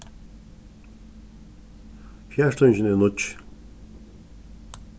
fjarstýringin er nýggj